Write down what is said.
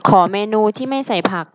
ขอเมนูที่ไม่ใส่ผัก